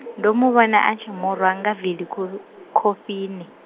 ndo muvhona a tshi murwa nga vili khofhi- khofheni.